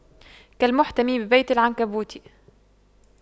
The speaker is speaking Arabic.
كالمحتمي ببيت العنكبوت